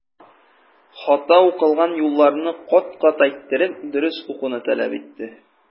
Хата укылган юлларны кат-кат әйттереп, дөрес укуны таләп итте.